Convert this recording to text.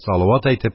Салават әйтеп,